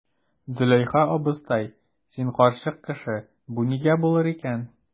Зөләйха абыстай, син карчык кеше, бу нигә булыр икән?